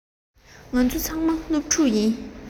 ང ཚོ ཚང མ སློབ ཕྲུག ཡིན